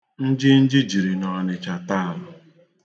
Njinji jiri n'Ọnịcha taata.